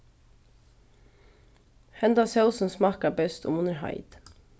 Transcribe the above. hendan sósin smakkar best um hon er heit